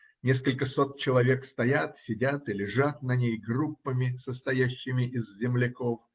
Несколько сот человек стоят, сидят и лежат на ней группами, состоящими из земляков